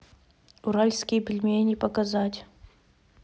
уральские пельмени показать